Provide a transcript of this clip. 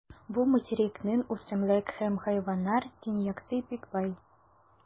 Бу материкның үсемлек һәм хайваннар дөньясы бик бай.